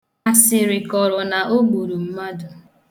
Asịrị kọrọ na o gburu mmadụ.